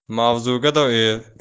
mavzuga doir